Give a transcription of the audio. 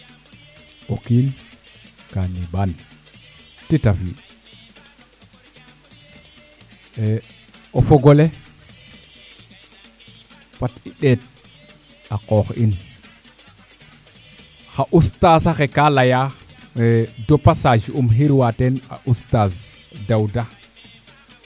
o kiin ka neɓaan tita fi'u o fogole fat i ndeet a qoox in xa Oustaz axe ka leya de passage im xirwa teen a oustaz Daouda